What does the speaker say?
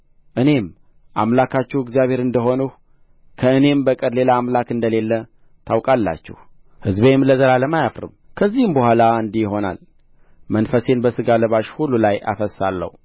እኔም አምላካችሁ እግዚአብሔር እንደ ሆንሁ ከእኔም በቀር ሌላ አምላክ እንደሌለ ታውቃላችሁ ሕዝቤም ለዘላለም አያፍርም ከዚህም በኋላ እንዲህ ይሆናል መንፈሴን በሥጋ ለባሽ ሁሉ ላይ አፈስሳለሁ